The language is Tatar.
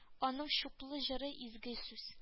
Аның чулпы җыры изге сүз